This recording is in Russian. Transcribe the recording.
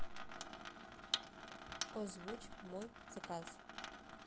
озвучь мой заказ